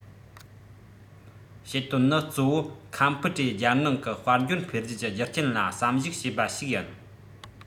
བྱེད དོན ནི གཙོ བོ ཁམ ཕུ ཁྲེའི རྒྱལ ནང གི དཔལ འབྱོར འཕེལ རྒྱས ཀྱི རྒྱུ རྐྱེན ལ བསམ གཞིགས བྱས པ ཞིག ཡིན